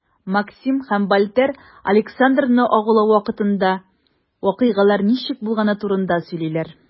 Максим һәм Вальтер Александрны агулау вакытында вакыйгалар ничек булганы турында сөйлиләр.